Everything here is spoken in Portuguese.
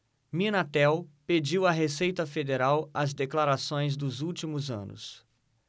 minatel pediu à receita federal as declarações dos últimos anos